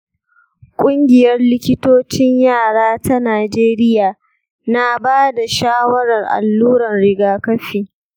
ƙungiyar likitocin yara ta najeriya na ba da shawarar alluran rigakafi.